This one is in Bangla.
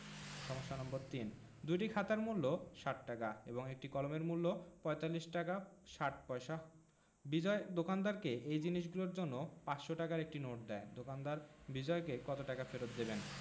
সমস্যা নম্বর৩ দুইটি খাতার মূল্য ৬০ টাকা এবং একটি কলমের মূল্য ৪৫ টাকা ৬০ পয়সা বিজয় দোকানদারকে এই জিনিসগুলোর জন্য ৫০০ টাকার একটি নোট দেয় দোকানদার বিজয়কে কত টাকা ফেরত দেবেন